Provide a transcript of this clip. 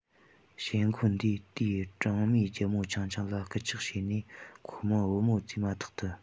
ཞེ འཁོན འདིས དེའི སྦྲང མའི རྒྱལ མོ ཆུང ཆུང ལ སྐུལ ལྕག བྱས ནས ཁོ མོར བུ མོ བཙས མ ཐག ཏུ